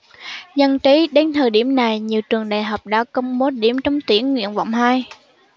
dân trí đến thời điểm này nhiều trường đại học đã công bố điểm trúng tuyển nguyện vọng hai